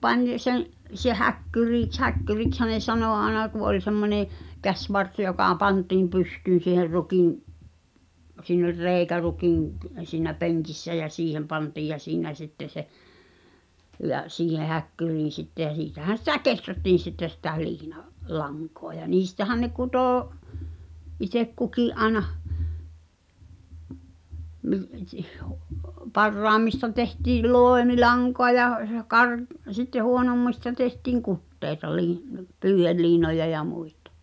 pani sen se häkkyriksi häkkyriksihän ne sanoi aina kun oli semmoinen käsivarsi joka pantiin pystyyn siihen rukin siinä oli reikä rukin - siinä penkissä ja siihen pantiin ja siinä sitten se ja siihen häkkyriin sitten ja siitähän sitä kehrättiin sitten sitä - liinalankaa ja niistähän ne kutoi itse kukin aina parhaimmista tehtiin loimilankaa ja ja - sitten huonommista tehtiin kuteita - pyyheliinoja ja muita